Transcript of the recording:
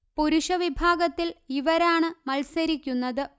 പുരുഷ വിഭാഗത്തിൽ ഇവരാണ് മത്സരിക്കുന്നത്